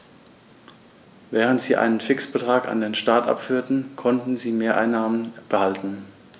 Während sie einen Fixbetrag an den Staat abführten, konnten sie Mehreinnahmen behalten.